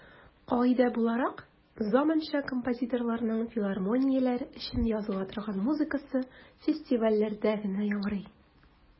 Кагыйдә буларак, заманча композиторларның филармонияләр өчен языла торган музыкасы фестивальләрдә генә яңгырый.